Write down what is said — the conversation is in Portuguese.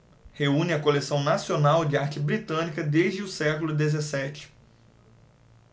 reúne a coleção nacional de arte britânica desde o século dezessete